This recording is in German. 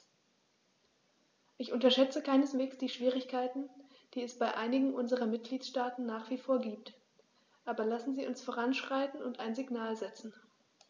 Ich unterschätze keineswegs die Schwierigkeiten, die es bei einigen unserer Mitgliedstaaten nach wie vor gibt, aber lassen Sie uns voranschreiten und ein Signal setzen.